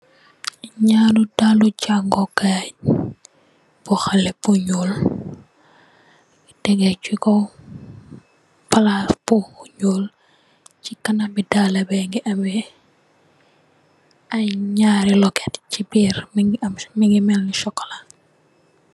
Naari daalu jangukai bu xale bu nuul yu tege si kaw palaa bu nuul si kanami daala begi ame ay naari loket si birr moni am mogi meli cxocola.